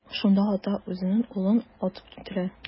Шунда ата үзенең улын атып үтерә.